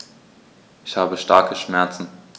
Ich habe starke Schmerzen.